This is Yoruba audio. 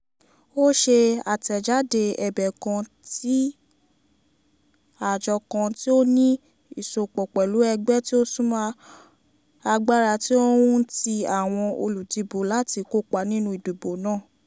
Ó ṣe àtẹ̀jáde ẹ̀bẹ̀ kan tí àjọ kan tí ó ní ìsopọ̀ pẹ̀lú ẹgbẹ́ tí ó súnmọ́ agbára tí ó ń ti àwọn olùdìbò láti kópa nínú ìdìbò náà.